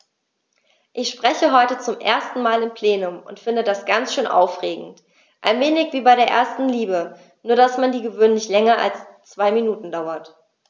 Ich spreche heute zum ersten Mal im Plenum und finde das ganz schön aufregend, ein wenig wie bei der ersten Liebe, nur dass die gewöhnlich länger als zwei Minuten dauert.